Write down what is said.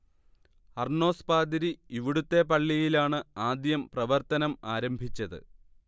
Arnos പാതിരി ഇവിടുത്തെ പള്ളിയിലാണ് ആദ്യം പ്രവർത്തനം ആരംഭിച്ചത്